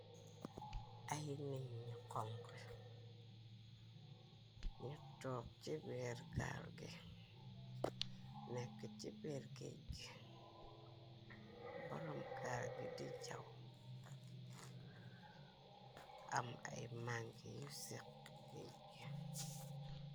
Ay wing yu xonku nu toog ci béer gar gi nekk ci béer géej gi boroom gaar gi di jaw am ay mangi yu séq géej bi.